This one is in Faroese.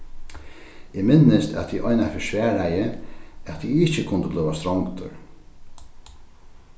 eg minnist at eg einaferð svaraði at eg ikki kundi blíva strongdur